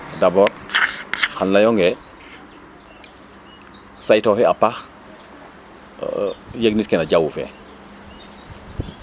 dabord xam layong ee saytooxi a paax yegnit ke no jawu fe